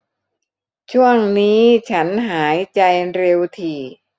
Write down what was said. ช่วงนี้ฉันหายใจเร็วถี่